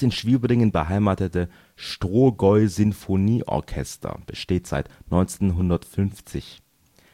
in Schwieberdingen beheimatete Strohgäu-Sinfonieorchester besteht seit 1950.